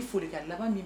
Folikan laban min